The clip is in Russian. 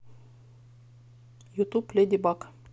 ютуб леди баг